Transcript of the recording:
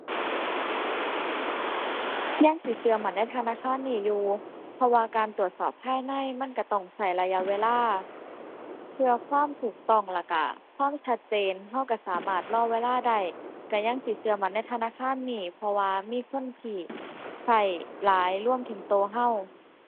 ยังสิเชื่อมั่นในธนาคารนี้อยู่ เพราะว่าการตรวจสอบภายในมันเชื่อต้องเชื่อระยะเวลา เพื่อความถูกต้องแล้วเชื่อความชัดเจนเชื่อเชื่อสามารถรอเวลาได้ เชื่อยังสิเชื่อมั่นในธนาคารนี้ เพราะว่ามีคนเชื่อหลาย รวมถึงเชื่อเชื่อ